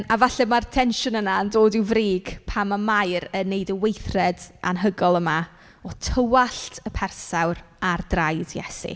A falle mae'r tensiwn yna yn dod i'w frig pan mae Mair yn wneud y weithred anhygoel yma o tywallt y persawr ar draed Iesu.